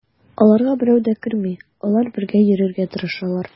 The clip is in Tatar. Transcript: Аларга берәү дә керми, алар бергә йөрергә тырышалар.